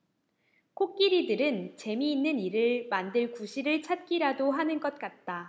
코끼리들은 재미있는 일을 만들 구실을 찾기라도 하는 것 같다